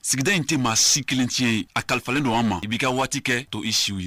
Sigida in tɛ maa si kelen tiɲɛ ye a kalifalen don an ma i b'i ka waati kɛ to i si ye